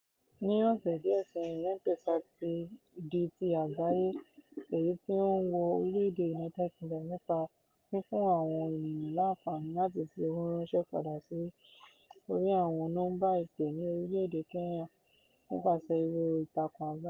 Ní ọ̀ṣẹ̀ díẹ̀ sẹ́yìn, M-Pesa di ti àgbáyé, èyí tí ó ń wọ orílẹ̀ èdè United Kingdom nípa fífún àwọn ènìyàn láǹfààní láti fi owó ránṣẹ́ padà sí orí àwọn nọ́mbà ìpè ní orílẹ̀ èdè Kenya nípasẹ̀ ìwò ìtàkùn àgbáyé.